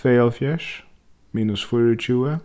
tveyoghálvfjerðs minus fýraogtjúgu